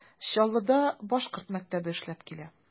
Чаллыда башкорт мәктәбе эшләп килә.